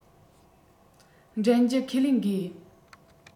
འདྲེན རྒྱུ ཁས ལེན དགོས